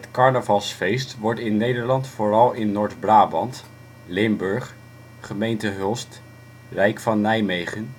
carnavalsfeest wordt in Nederland vooral in Noord-Brabant, Limburg, gemeente Hulst, Rijk van Nijmegen